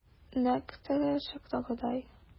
Нәкъ теге чактагыдай.